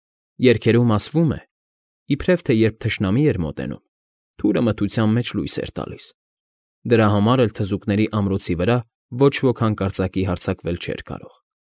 Երգերում ասվում է, իբրև թե երբ թշնամի էր մոտենում, թուրը մթության մեջ լույս էր տալիս, դրա համար էլ թզուկների ամրոցի վրա ոչ ոք հանկարածակի հարձակվել չէր կարող։